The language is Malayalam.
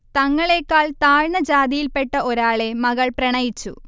തങ്ങളേക്കാൾ താഴ്ന്ന ജാതിയിൽപ്പെട്ട ഒരാെള മകൾ പ്രണയിച്ചു